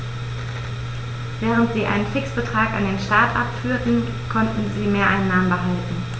Während sie einen Fixbetrag an den Staat abführten, konnten sie Mehreinnahmen behalten.